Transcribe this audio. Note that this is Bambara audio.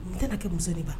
N tɛna kɛ muso ne ba